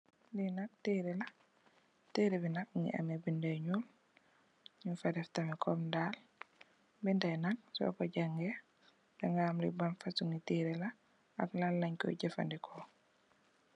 Li nak teré la teré bi nak mugii ameh bindé yu ñuul, ñing fa def tamit kom ndal. Bindé yi nak so ko jangèè di ga xam li ban fasungi teré la ak lan lañ koy jafandiko.